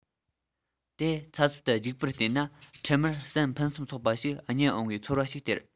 དེ འཚབ འཚུབ ཏུ རྒྱུག པར བལྟས ན འཕྲལ མར ཟན ཕུན སུམ ཚོགས པ ཞིག རྙེད འོངས པའི ཚོར བ ཞིག སྟེར